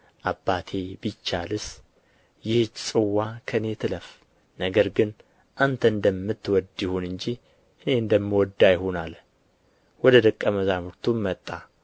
አባቴ ቢቻልስ ይህች ጽዋ ከእኔ ትለፍ ነገር ግን አንተ እንደምትወድ ይሁን እንጂ እኔ እንደምወድ አይሁን አለ ወደ ደቀ መዛሙርቱም መጣ